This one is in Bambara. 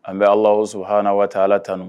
An bɛ ala haana waa ala tanunu